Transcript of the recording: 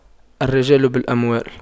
الرجال بالأموال